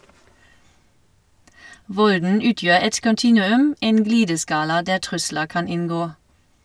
Volden utgjør et kontinuum, en glideskala, der trusler kan inngå.